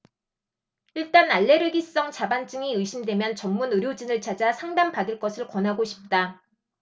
일단 알레르기성 자반증이 의심되면 전문 의료진을 찾아 상담 받을 것을 권하고 싶다